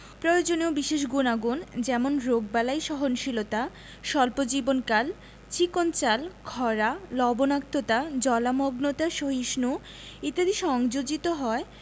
প্রয়োজনীয় বিশেষ গুনাগুণ যেমন রোগবালাই সহনশীলতা স্বল্প জীবনকাল চিকন চাল খরা লবনাক্ততা জলমগ্নতা সহিষ্ণু ইত্যাদি সংযোজিত হয়